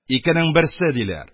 Икенең берсе! — диләр.